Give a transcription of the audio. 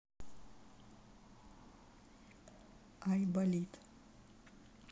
айболит